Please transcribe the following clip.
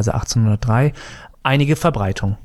1803 einige Verbreitung